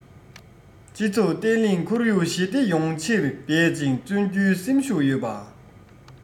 སྤྱི ཚོགས བརྟན ལྷིང ཁོར ཡུག ཞི བདེ ཡོང ཕྱིར འབད ཅིང བརྩོན རྒྱུའི སེམས ཤུགས ཡོད པ